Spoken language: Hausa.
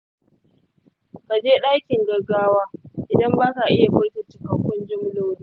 ka je dakin gaggawa idan ba ka iya furta cikakkun jimloli.